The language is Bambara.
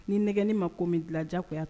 Ni nɛgɛ ne ma ko bɛ bila diya koya